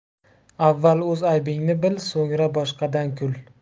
avval o'z aybingni bil so'ngra boshqadan kul